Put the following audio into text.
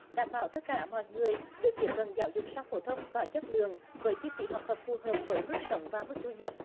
đảm bảo tất cả mọi người được tiếp cận giáo dục sau phổ thông có chất lượng với chi phí học tập phù hợp với mức sống và mức thu nhập